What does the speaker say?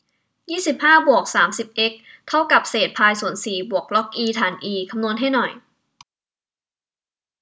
ยี่สิบห้าบวกสามสิบเอ็กซ์เท่ากับเศษพายส่วนสี่บวกล็อกอีฐานอีคำนวณให้หน่อย